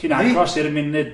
Ti'n agos i'r munud.